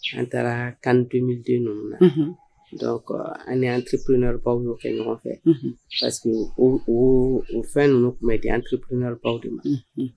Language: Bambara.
An taara kanden ninnu na dɔw an an tiinakaw kɛ ɲɔgɔn fɛ parceseke que fɛn ninnu tun bɛ di an tiinakaw de ma